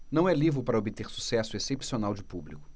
não é livro para obter sucesso excepcional de público